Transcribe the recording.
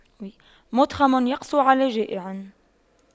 مُتْخَمٌ يقسو على جائع